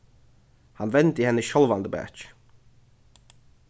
hann vendi henni sjálvandi bakið